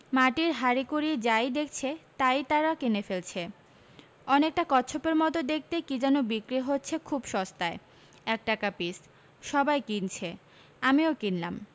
মাটির হাঁড়িকুরি মাই দেখছে তাই তার কিনে ফেলছে অনেকটা কচ্ছপের মত দেখতে কি যেন বিক্রি হচ্ছে খুব সস্তায় এক টাকা পিস সবাই কিনছে আমিও কিনলাম